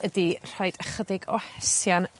ydi rhoid ychydig o hesian